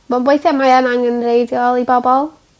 Mae weithiau mae yn angenreidiol i bobol.